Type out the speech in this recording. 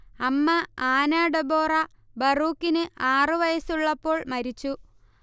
അമ്മ Ana Debora ബറൂക്കിന് ആറുവയസ്സുള്ളപ്പോൾ മരിച്ചു